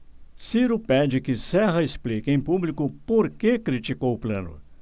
ciro pede que serra explique em público por que criticou plano